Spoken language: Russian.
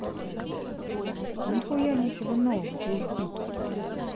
нихуя ничего нового пиздюк